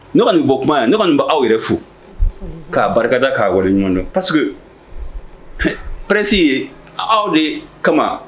N kɔni nin bɔ kuma ye kɔni nin b aw yɛrɛ fo k'a barikada k'a wari ɲɔgɔndon pa que presi ye aw de kama